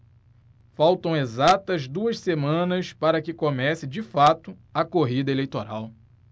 faltam exatas duas semanas para que comece de fato a corrida eleitoral